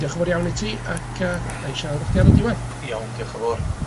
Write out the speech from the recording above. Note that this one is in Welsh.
###dioch yn fawr iawn i ti, ac yy ddai'n siarad efo chdi ar y diwadd. Iawn, dioch y' fowr.